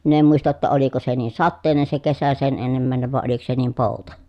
minä en muista jotta oliko se niin sateinen se kesä sen ennemmäinen vai oliko se niin pouta